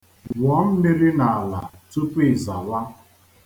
Wụọ mmiri n'ala tupu ị zawa.